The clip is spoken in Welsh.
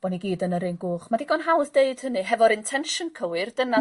Bo' ni gyd yn yr un gwch ma' digon hawdd deud hynny hefo'r intention cywir dyna...